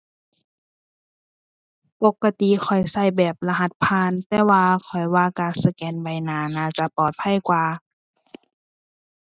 ปกติข้อยใช้แบบรหัสผ่าน แต่ว่าข้อยว่าการสแกนใบหน้าน่าจะปลอดภัยกว่า